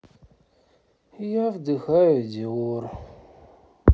я вдыхаю диор